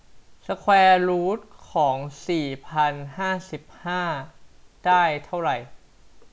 สแควร์รูทของสี่พันห้าสิบห้าได้เท่าไหร่